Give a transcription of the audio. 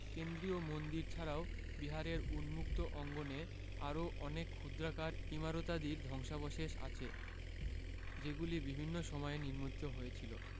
কেন্দ্রীয় মন্দির ছাড়াও বিহারের উম্মুক্ত অঙ্গনে আরও অনেক ক্ষুদ্রাকার ইমারতাদির ধ্বংসাবশেষ আছে যেগুলি বিভিন্ন সময়ে নির্মিত হয়েছিল